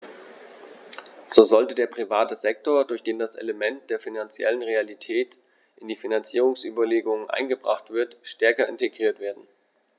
So sollte der private Sektor, durch den das Element der finanziellen Realität in die Finanzierungsüberlegungen eingebracht wird, stärker integriert werden.